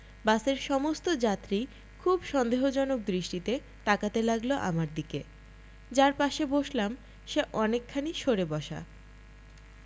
বাসের সমস্ত যাত্রী খুব সন্দেহজনক দৃষ্টিতে তাকাতে লাগলো আমার দিকে যার পাশে বসলাম সে অনেকখানি সরে বসা